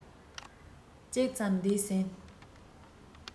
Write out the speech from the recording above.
གཅིག ཙམ འདས ཟིན